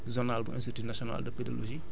adressé ko délégué